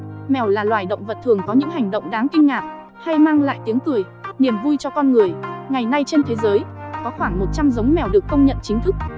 mèo là loài động vật thường có những hành động đáng kinh ngạc hay mang lại tiếng cười niềm vui cho con người ngày nay trên thế giới có khoảng giống mèo được công nhận chính thức